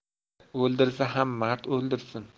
o'ldirsa ham mard o'ldirsin